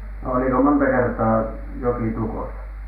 no oliko monta kertaa joki tukossa